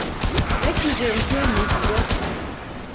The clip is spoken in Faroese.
reglugerð um tøming av rottanga